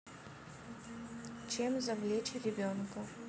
чем завлечь ребенка